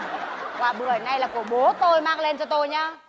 này này là của bố tôi mang lên cho tôi đấy